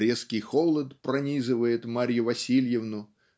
резкий холод пронизывает Марью Васильевну